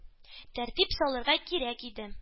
Тәртип салырга кирәк иде.